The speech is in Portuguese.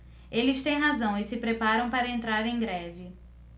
eles têm razão e se preparam para entrar em greve